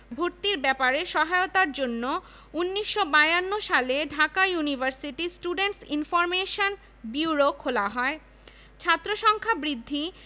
এসোসিয়েশনের কার্যালয় ছাড়াও এখানে রয়েছে একটি সেমিনার রুম ও একটি শরীরচর্চা কেন্দ্র শিক্ষিত যুবকদের চাকরির সংস্থানের জন্য